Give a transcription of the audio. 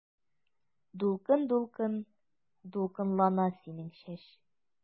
Дулкын-дулкын дулкынлана синең чәч.